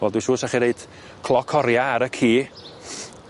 Wel dwi'n siŵr sa chi roid cloc oria ar y ci